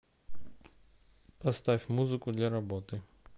поставь музыку для работы